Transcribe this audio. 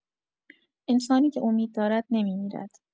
انسانی که امید دارد، نمی‌میرد.